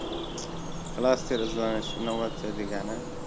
klaster izlanish innovatsiya degani